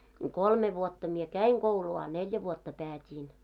kolme vuotta minä kävin koulua a neljä vuotta päätin